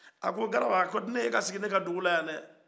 a ko gariba a ka ne y'e ka sigi ne ka dugula yan dɛɛ